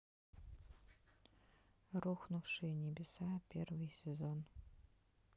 рухнувшие небеса первый сезон